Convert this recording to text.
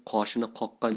zum dovdirab qoldi